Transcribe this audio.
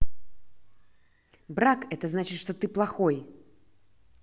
брак это значит что ты плохой